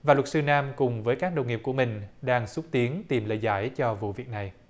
và luật sư nam cùng với các đồng nghiệp của mình đang xúc tiến tìm lời giải cho vụ việc này